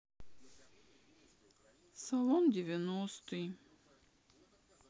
салон девяностый